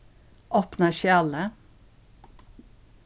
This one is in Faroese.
opna skjalið